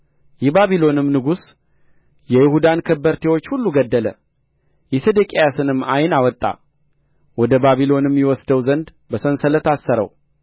የባቢሎንም ንጉሥ የይሁዳን ከበርቴዎች ሁሉ ገደለ የሴዴቅያስንም ዓይን አወጣ ወደ ባቢሎንም ይወስደው ዘንድ በሰንሰለት አሰረው